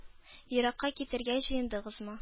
Еракка китәргә җыендыгызмы?